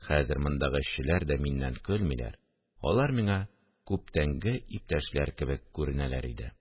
Хәзер мондагы эшчеләр дә миннән көлмиләр, алар миңа күптәнге иптәшләр кебек күренәләр иде